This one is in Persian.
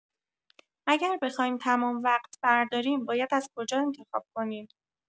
اگر بخوایم تمام وقت برداریم باید از کجا انتخاب کنیم؟